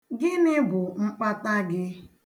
Gịnị bụ mkpata gị?